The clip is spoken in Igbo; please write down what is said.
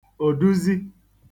òduzi